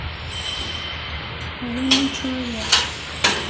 лунный человек